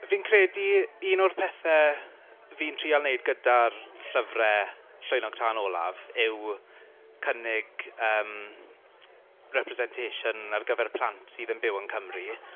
Fi'n credu un o'r pethe fi'n trial wneud gyda'r llyfrau Llwynog Tân Olaf yw cynnig yym representation ar gyfer y plant sydd yn byw yng Nghymru.